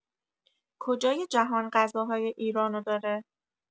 کجای جهان غذاهای ایران رو داره